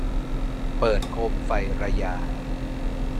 เปิดโคมไฟระย้า